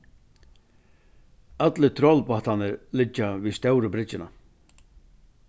allir trolbátarnir liggja við stóru bryggjuna